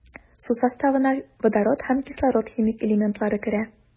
Су составына водород һәм кислород химик элементлары керә.